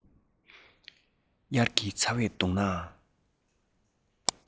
དབྱར གྱི ཚ བས གདུང ནའང